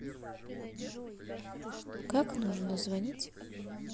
как нужно звонить